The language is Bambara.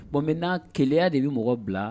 Bon minna na keya de bɛ mɔgɔ bila